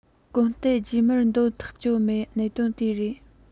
གོམ སྟབས རྗེས མར འདོད ཐག ཆོད མེད གནད དོན དེ རེད